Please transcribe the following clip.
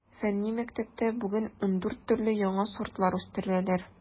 Фәнни мәктәптә бүген ундүрт төрле яңа сортлар үстерәләр.